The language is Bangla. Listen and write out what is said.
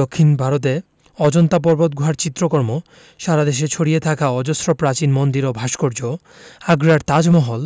দক্ষিন ভারতে অজন্তা পর্বতগুহার চিত্রকর্ম সারা দেশে ছড়িয়ে থাকা অজস্র প্রাচীন মন্দির ও ভাস্কর্য আগ্রার তাজমহল